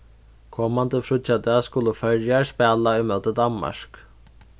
komandi fríggjadag skulu føroyar spæla ímóti danmark